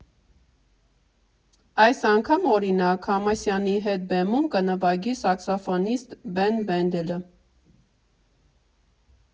Այս անգամ, օրինակ, Համասյանի հետ բեմում կնվագի սաքսոֆոնիստ Բեն Վենդելը։